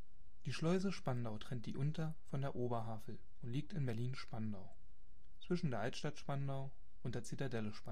Schleuse Spandau trennt die Unter - von der Oberhavel und liegt in Berlin-Spandau zwischen der Spandauer Altstadt und der Zitadelle Spandau